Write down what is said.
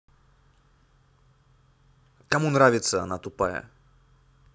кому нравится она тупая